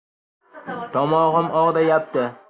tomog'im og'riyapti